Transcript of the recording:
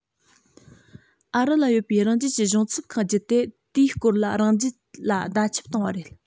ཨ རི ལ ཡོད པའི རང རྒྱལ གྱི གཞུང ཚབ ཁང བརྒྱུད དེ དེའི སྐོར རང རྒྱལ ལ བརྡ ཁྱབ བཏང བ རེད